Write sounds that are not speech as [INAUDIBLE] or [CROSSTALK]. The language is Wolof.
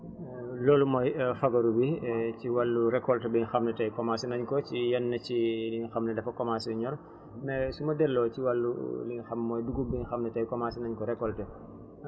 [HESITATION] loolu mooy fagaru bu [HESITATION] ci wàllu récolte bi nga xam ne tay commencé nañ ko si yenn ci yi nga xam ne dafa commencé ñor mais su ma dellloo si wàllu li nga xam mooy dugub bi nga xam ne tay commencé nañ ko récolté